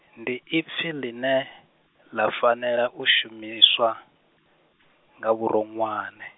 ndi ipfi ḽine, ḽa fanela u shumiswa, nga vhuronwane.